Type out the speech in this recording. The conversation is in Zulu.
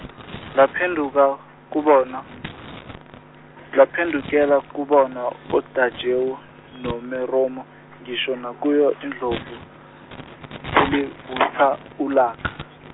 laphendukela kubona, laphendukela kubona OTajewo noMeromo ngisho nakuyo indlovu, selivutha, ulaka.